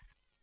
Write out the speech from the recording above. waaw